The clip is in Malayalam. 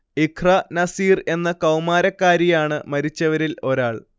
ഇഖ്ര നസീർ എന്ന കൗമാരക്കാരിയാണ് മരിച്ചവരിൽ ഒരാൾ